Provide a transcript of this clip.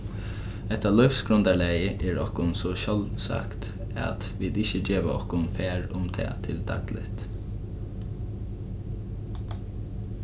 hetta lívsgrundarlagið er okkum so sjálvsagt at vit ikki geva okkum far um tað til dagligt